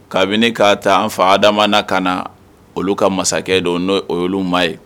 Kabini k'a ta an fa Adama ka na olu ka masakɛ do n'o ye olu maa ye